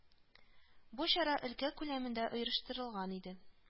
Бу чара өлкә күләмендә оештырылган иде